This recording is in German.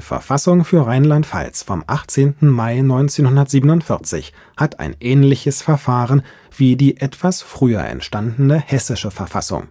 Verfassung für Rheinland-Pfalz vom 18. Mai 1947 hat ein ähnliches Verfahren wie die etwas früher entstandene hessische Verfassung: